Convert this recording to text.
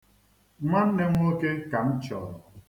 Nnenne nwoke ka m chọrọ.